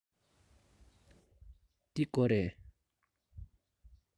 འདི སྒོ རེད